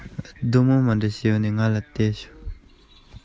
འདི ནི རི བོ ཡིན དགོས པར སེམས